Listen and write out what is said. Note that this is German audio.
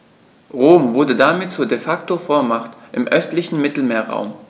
Rom wurde damit zur ‚De-Facto-Vormacht‘ im östlichen Mittelmeerraum.